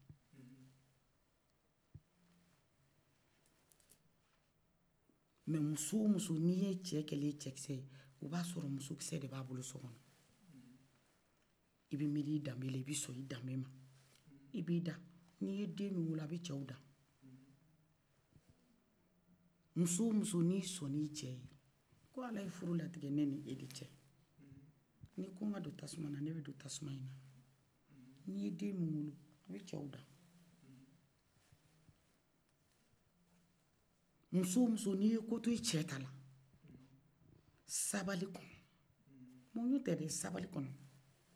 musow musow nin sɔna i cɛ ye ko ala ye furu latigɛ ne n'i de cɛ ne ko ne ka do tasumana ne bɛ do o tasumana n'i ye den min wolo ola o bɛ cɛw dan musow musow n'i ye ko t'i cɛ tala sabali kɔnɔ muɲu tɛ dɛ sabali kɔnɔ